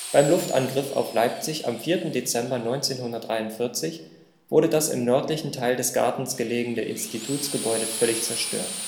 Beim Luftangriff auf Leipzig am 4. Dezember 1943 wurde das im nördlichen Teil des Gartens gelegene Institutsgebäude völlig zerstört